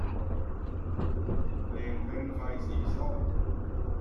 เปลี่ยนเป็นไฟสีส้ม